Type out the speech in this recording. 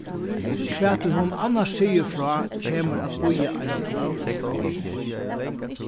hvat ið hon annars sigur frá kemur at bíða eina tíð